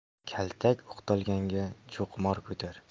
kaltak o'qtalganga cho'qmor ko'tar